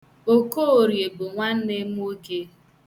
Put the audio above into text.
Okoorie bụ nwanne m nwoke.